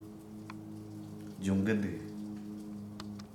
སྦྱོང གི འདུག